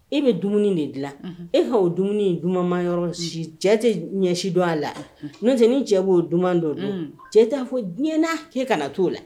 E bɛ dumuni de dilan e ka o dumuni in dumanma yɔrɔ cɛ tɛ ɲɛ si don a la n tɛ ni cɛ b'o dumanma dɔ don cɛ t'a fɔ diɲɛna kɛ kana na t' o la